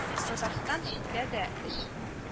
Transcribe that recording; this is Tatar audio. Татарстаннан читтә дә эш